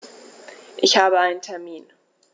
Ich habe einen Termin.